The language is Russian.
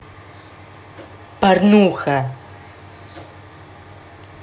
порнуха